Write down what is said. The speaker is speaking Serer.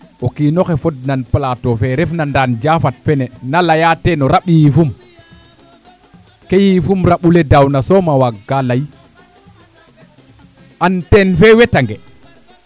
ndaa o kiino xe fod nan plateau ref na ndaan Diafate fene na leya teen o ramb yiifum ke yiifum rambu le daawna soom a waag ka ley antenne fe weta nge